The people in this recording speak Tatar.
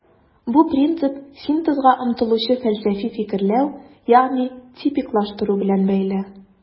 Бу принцип синтезга омтылучы фәлсәфи фикерләү, ягъни типиклаштыру белән бәйле.